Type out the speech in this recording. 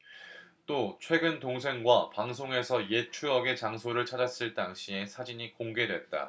또 최근 동생과 방송에서 옛 추억의 장소를 찾았을 당시의 사진이 공개됐다